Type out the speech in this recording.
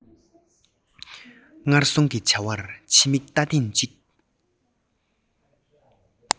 སྔར སོང གི བྱ བར ཕྱི མིག བལྟ ཐེངས རེར